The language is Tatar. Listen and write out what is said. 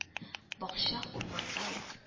Бакча урманга ук